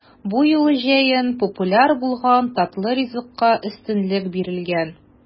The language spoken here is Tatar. Бу юлы җәен популяр булган татлы ризыкка өстенлек бирелгән.